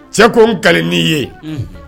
Cɛ ko n kali l'i ye unhun